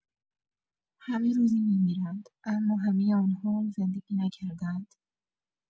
همه روزی می‌میرند، اما همه آنها زندگی نکرده‌اند!